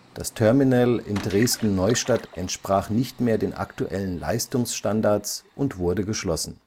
Terminal in Dresden-Neustadt entsprach nicht mehr den aktuellen Leistungsstandards und wurde geschlossen